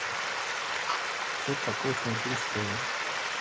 кто такой франкенштейн